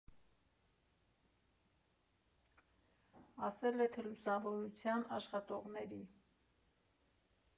Ասել է թե՝ լուսավորության աշխատողների։